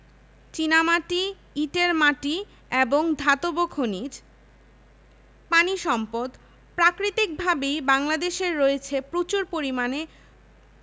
১৩টি বিদেশী ব্যাংক রাষ্ট্রীয় মালিকানার ৫টি বিশেষায়িত আর্থিক প্রতিষ্ঠান রয়েছে যেগুলো উন্নয়ন অর্থসংস্থান প্রতিষ্ঠান হিসেবে পরিচিত এছাড়াও রয়েছে ২৩টি অব্যাংকিং আর্থিক প্রতিষ্ঠান